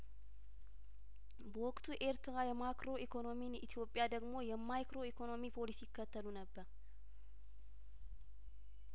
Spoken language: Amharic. በወቅቱ ኤርትራ የማክሮ ኢኮኖሚን ኢትዮጵያ ደግሞ የማይክሮ ኢኮኖሚ ፖሊሲ ይከተሉ ነበር